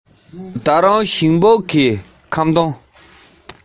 འོ མ འཐུང བའི བགྲང བྱ ལྷག ཏུ དྲན